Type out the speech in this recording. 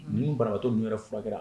Ninnuu baratɔ ninnu yɛrɛ furakɛra